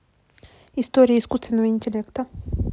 история искусственного интеллекта